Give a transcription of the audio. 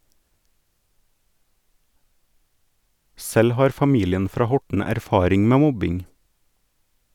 Selv har familien fra Horten erfaring med mobbing.